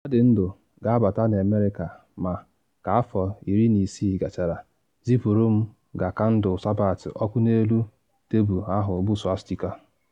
Ọ dị ndụ, gbabata na America ma, ka afọ 60 gachara, zipuru m gaa kandụl Sabbath ọkụ n’elu tebul ahụ bụ swastika.